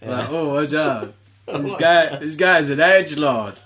Oh watch out... ...this guy this guy is an edgelord.